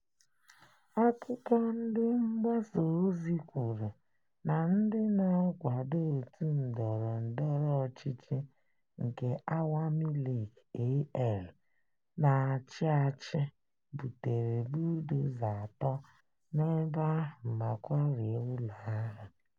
Akụkọ ndị mgbasa ozi kwuru na ndị na-akwado òtù ndọrọ ndọrọ ọchịchị nke Awami League (AL) na-achị achị butere budoza atọ n'ebe ahụ ma kwarie ụlọ ahụ.